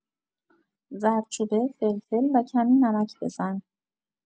زردچوبه، فلفل و کمی نمک بزن.